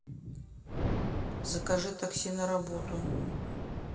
закажи такси на работу